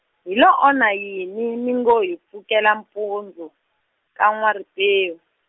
hi lo onha yini mi ngo hi pfukela mpundzu, ka N'wa-Ripewu?